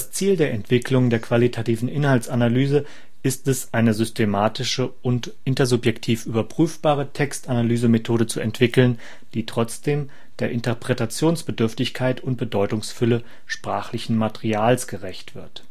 Ziel der Entwicklung der qualitativen Inhaltsanalyse (engl.: content analysis) ist es eine systematische und intersubjektiv überprüfbare Textanalysemethode zu entwickeln, die trotzdem der Interpretationsbedürftigkeit und Bedeutungsfülle sprachlichen Materials gerecht wird